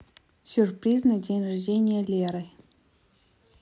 сюрприз на день рождения леры